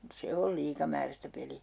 se on liikamääräistä peliä